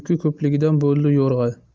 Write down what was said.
yuki ko'pligidan bo'ldi yo'rg'a